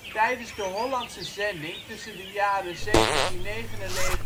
Tijdens de Hollandse Zending tussen de jaren 1799 en 1842 was er een